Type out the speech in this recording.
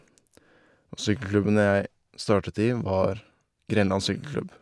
Og sykkelklubben jeg startet i, var Grenland Sykkelklubb.